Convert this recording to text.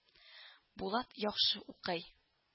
Булат яхшы укый